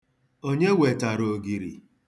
Onye wetara ogiri?